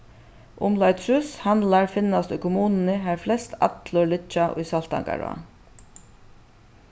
umleið trýss handlar finnast í kommununi har flest allir liggja í saltangará